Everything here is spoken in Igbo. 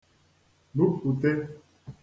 bupùte